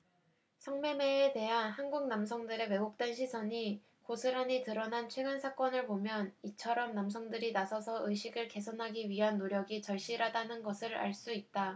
성 매매에 대한 한국 남성들의 왜곡된 시선이 고스란히 드러난 최근 사건을 보면 이처럼 남성들이 나서서 의식을 개선하기 위한 노력이 절실하다는 것을 알 수 있다